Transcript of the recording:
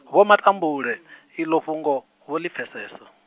Vho Matambule, iḽo fhungo, vho ḽi pfesesa.